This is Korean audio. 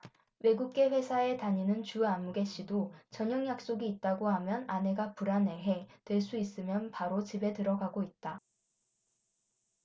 외국계 회사에 다니는 주아무개씨도 저녁 약속이 있다고 하면 아내가 불안해해 될 수 있으면 바로 집에 들어가고 있다